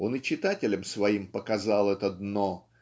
он и читателям своим показал это дно